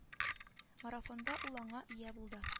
Марафонда ул аңа ия булды